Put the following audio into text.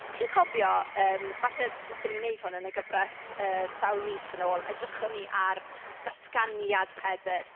Chi'n cofio yym falle wnaethon ni wneud hwn yn y gyfres yy sawl mis yn ôl, edrychon ni ar datganiad Pedr.